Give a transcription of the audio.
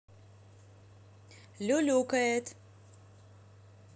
люлюкает